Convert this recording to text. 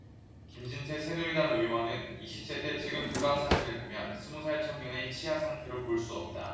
김진태 새누리당 의원은 이십 세 때 찍은 구강 사진을 보면 스무살 청년의 치아 상태로 볼 수 없다